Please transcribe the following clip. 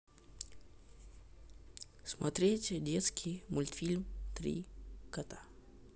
смотреть детский мультфильм три кота